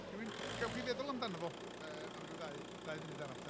Rywun? Gewch chi feddwl amdano fo yy am ryw ddau ddau funud arall ta,